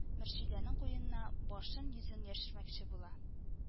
Мөршидәнең куенына башын-йөзен яшермәкче була